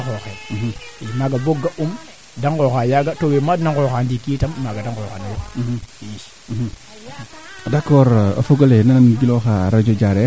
awaa a fi ndapna naa ando naye kaa jil keel ande kaaf kaa njiloo gel kaa fiyoogu ndap baa yoq ndiiki o qol laaga meete refna ndiiki waaga te fi ndap